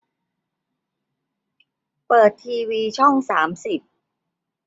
เปิดทีวีช่องสามสิบ